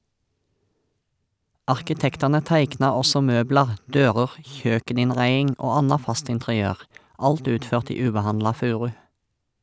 Arkitektane teikna også møblar, dører, kjøkeninnreiing og anna fast interiør, alt utført i ubehandla furu.